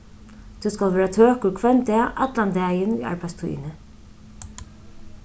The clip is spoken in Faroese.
tú skalt vera tøkur hvønn dag allan dagin í arbeiðstíðini